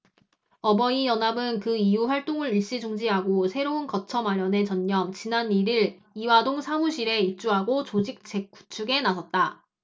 어버이연합은 그 이후 활동을 일시 중지하고 새로운 거처 마련에 전념 지난 일 일 이화동 사무실에 입주하고 조직 재구축에 나섰다